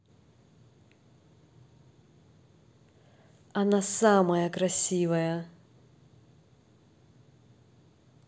она самая красивая